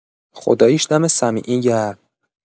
خداییش دم سمیعی گرم